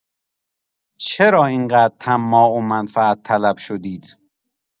چرا اینقدر طماع و منفعت‌طلب شدید؟